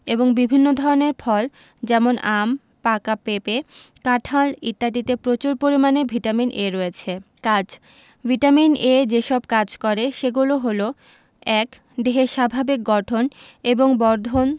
এবং বিভিন্ন ধরনের ফল যেমন আম পাকা পেঁপে কাঁঠাল ইত্যাদিতে প্রচুর পরিমানে ভিটামিন A রয়েছে কাজ ভিটামিন A যেসব কাজ করে সেগুলো হলো ১. দেহের স্বাভাবিক গঠন এবং বর্ধন